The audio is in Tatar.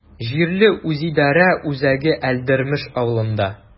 Җирле үзидарә үзәге Әлдермеш авылында.